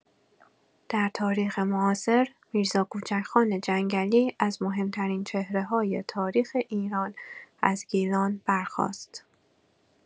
در تاریخ معاصر، میرزا کوچک‌خان جنگلی از مهم‌ترین چهره‌های تاریخ ایران از گیلان برخاست.